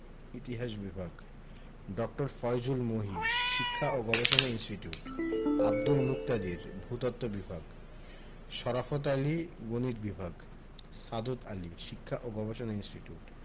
ইতিহাস বিভাগ ড. ফয়জুল মহি শিক্ষা ও গবেষণা ইনস্টিটিউট আব্দুল মুকতাদির ভূ তত্ত্ব বিভাগ শরাফৎ আলী গণিত বিভাগ সাদত আলী শিক্ষা ও গবেষণা ইনস্টিটিউট